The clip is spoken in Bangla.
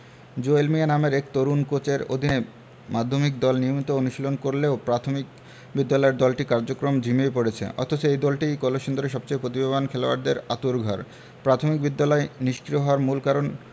জুয়েল মিয়া নামের এক তরুণ কোচের অধীনে মাধ্যমিক দল নিয়মিত অনুশীলন করলেও প্রাথমিক বিদ্যালয়ের দলটির কার্যক্রম ঝিমিয়ে পড়েছে অথচ এই দলটিই কলসিন্দুরের সবচেয়ে প্রতিভাবান খেলোয়াড়দের আঁতুড়ঘর প্রাথমিক বিদ্যালয় নিষ্ক্রিয় হওয়ার মূল কারণ